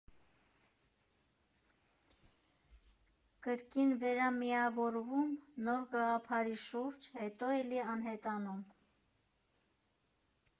Կրկին վերամիավորվում նոր գաղափարի շուրջ, հետո էլի անհետանում։